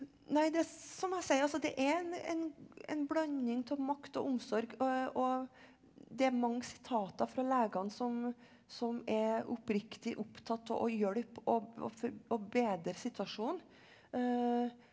nei det som jeg sier altså det er en en en blanding av makt og omsorg og og det er mange sitater fra legene som som er oppriktig opptatt av å hjelpe og og bedre situasjonen .